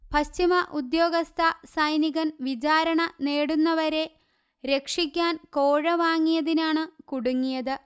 പശ്ചിമ ഉദ്യോഗസ്ഥ സൈനികൻ വിചാരണ നേരിടുന്നവരെ രക്ഷിക്കാൻ കോഴ വാങ്ങിയതിനാണ് കുടുങ്ങിയത്